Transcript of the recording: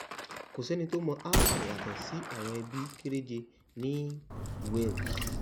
"Kò sí ẹni tí ó mọ Alffa yàtọ̀ sí àwọn ibi kéréje ní Wales.